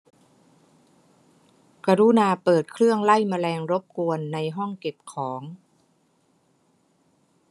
กรุณาเปิดเครื่องไล่แมลงรบกวนในห้องเก็บของ